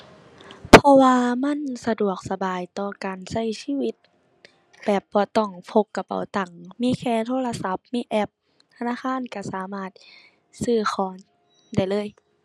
เพราะว่ามันสะดวกสบายต่อการใช้ชีวิต แบบบ่ต้องพกกระเป๋าตัง มีแค่โทรศัพท์มีแอปธนาคารใช้สามารถซื้อของได้เลย